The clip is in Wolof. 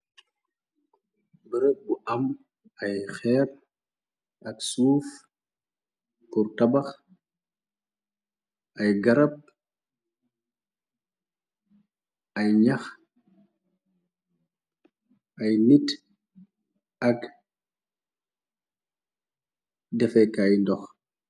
Bereb bu am ay xeer ak suuf pur tabax ay garab ay nax ay nit ak defekaay ndox.